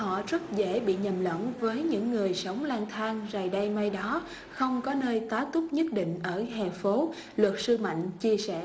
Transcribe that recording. họ rất dễ bị nhầm lẫn với những người sống lang thang rày đây mai đó không có nơi tá túc nhất định ở hè phố luật sư mạnh chia sẻ